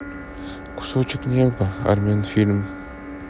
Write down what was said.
кусочек неба арменфильм